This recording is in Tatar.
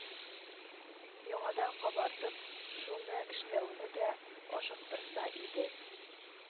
Яңадан кабартып, шуны эшләүне дә ашыктырса иде